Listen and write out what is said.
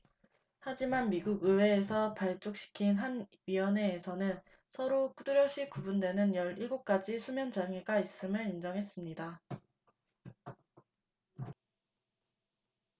하지만 미국 의회에서 발족시킨 한 위원회에서는 서로 뚜렷이 구분되는 열 일곱 가지 수면 장애가 있음을 인정했습니다